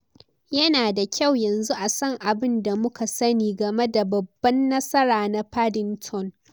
Yana da kyau yanzu a san abin da muka sani game da babban nasara na Paddington."